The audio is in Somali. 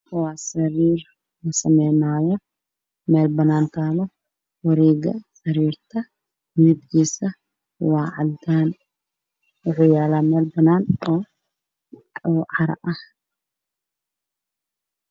Sariir la samaynayso meel banaan taalo wareega sariirta midabkiisa waa cadaan wuxuu yaalaa meel banaan ah oo caro ah.